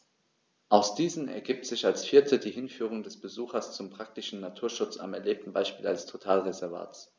Aus diesen ergibt sich als viertes die Hinführung des Besuchers zum praktischen Naturschutz am erlebten Beispiel eines Totalreservats.